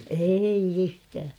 ei yhtään